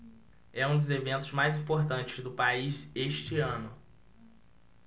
é um dos eventos mais importantes do país este ano